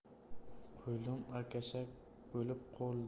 qo'lim akashak bo'lib qoldi